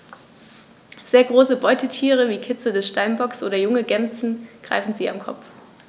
Sehr große Beutetiere wie Kitze des Steinbocks oder junge Gämsen greifen sie am Kopf.